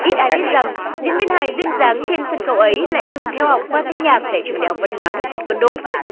ít ai biết rằng diễn viên hài duyên dáng trên sân khấu ấy lại từng theo học khoa thanh nhạc tại trường đại học văn hóa nghệ thuật quân đội